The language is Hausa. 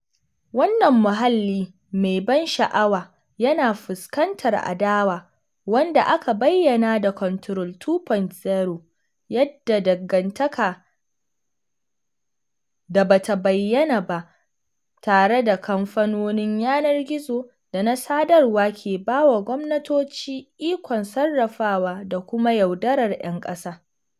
Wannan muhalli mai ban sha'awa yana fuskantar adawa, wanda aka bayyana da "Control 2.0": "... yadda dangantaka da ba ta bayyana ba tare da kamfanonin yanar gizo da na sadarwa ke bawa gwamnatoci ikon sarrafawa da kuma yaudarar 'yan ƙasa."